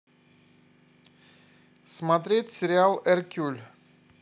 смотреть сериал эркюль